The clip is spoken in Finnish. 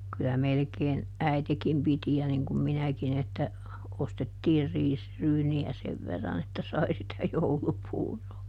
kyllä melkein äitikin piti ja niin kuin minäkin että ostettiin riisiryyniä sen verran että sai sitä joulupuuroa